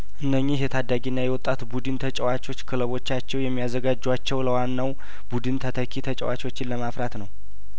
አነኚህ የታዳጊና የወጣት ቡድን ተጨዋቾች ክለቦቻቸው የሚያዘ ጋጇቸው ለዋናው ቡድን ተተኪ ተጨዋቾችን ለማፈራት ነው